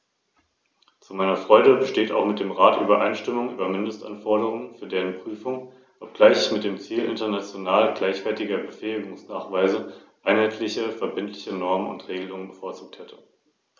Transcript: Diese Rechte betreffen vor allem Personen mit Behinderung beziehungsweise Personen mit eingeschränkter Mobilität.